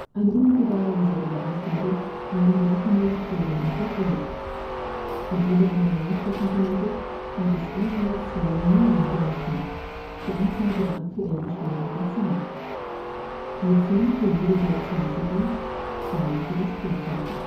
Eine unmittelbare visuelle Ausgabe war in die Akkumulatoren integriert: Im oberen Bereich der Komponente gab es 102 Neonbirnchen zur Anzeige der aktuell gespeicherten Zahl (je zehn für jede der zehn Ziffern, zwei für das Vorzeichen